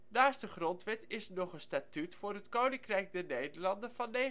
Naast de Grondwet is er nog het Statuut voor het Koninkrijk der Nederlanden van 1954